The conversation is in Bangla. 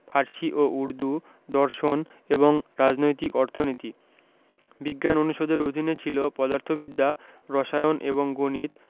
ফার্সি ও উর্দু দর্শন এবং রাজনৈতিক অর্থনীতি বিজ্ঞান অনুষদের অধীনে ছিল পদার্থবিদ্যা রসায়ন এবং গণিত